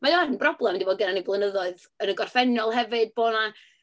Mae o yn broblem wedi bod gynnon ni blynyddoedd yn y gorffennol hefyd bo' 'na...